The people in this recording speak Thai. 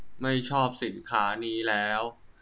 ไม่ชอบสินค้านี้แล้ว